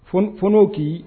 Fw k'i